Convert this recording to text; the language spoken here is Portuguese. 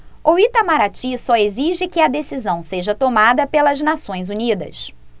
o itamaraty só exige que a decisão seja tomada pelas nações unidas